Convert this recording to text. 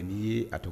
N'i ye a to